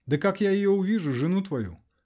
-- Да как я ее увижу, жену твою?